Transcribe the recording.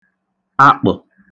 akpə̣̀